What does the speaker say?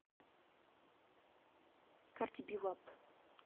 cardi b wap